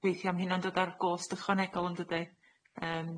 weithia' am hunan dod ar gost ychwanegol yndydi?